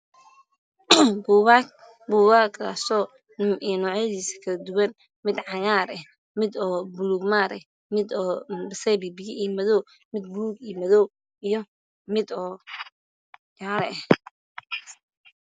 Buugaag noocyadiisa mid cagaar mid madow mid jaalo ah